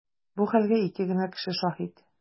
Бу хәлгә ике генә кеше шаһит.